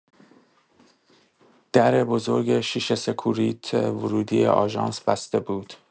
در بزرگ شیشه‌سکوریت ورودی آژانس بسته بود.